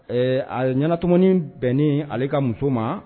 Ee a ɲɛnaanatmaniin bɛnnen ale ka muso ma